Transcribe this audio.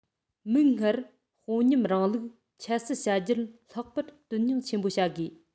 མིག སྔར དཔོན ཉམས རིང ལུགས ཁྱད བསད བྱ རྒྱུར ལྷག པར དོ སྣང ཆེན པོ བྱ དགོས